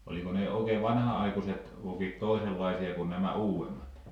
oliko ne oikein vanhanaikaiset vokit toisenlaisia kuin nämä uudemmat